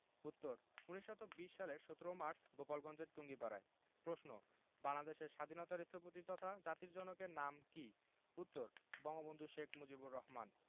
উত্তর ১৯২০ সালের ১৭ মার্চ গোপালগঞ্জের টুঙ্গিপাড়ায় প্রশ্ন বাংলাদেশের স্বাধীনতার স্থপতি তথা জাতির জনকের নাম কী উত্তর বঙ্গবন্ধু শেখ মুজিবুর রহমান